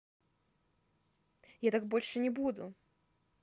я так больше не буду